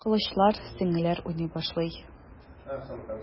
Кылычлар, сөңгеләр уйный башлый.